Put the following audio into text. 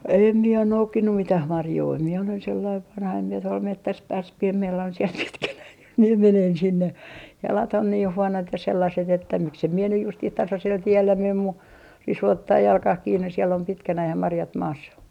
en minä ole noukkinut mitään marjoja minä olen sellainen vanha en minä tuolla metsässä pääse pian minä olen siellä pitkänäni jos minä menen sinne jalat on niin huonot ja sellaiset että miksi en minä nyt justiin tasaisella tiellä mene mutta risu ottaa jalkaan kiinni siellä on pitkänään ja marjat maassa